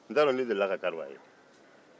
n t'a dɔn n'i delila ka kariba ye